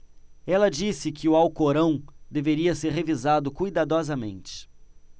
ela disse que o alcorão deveria ser revisado cuidadosamente